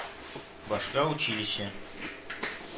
Башка училище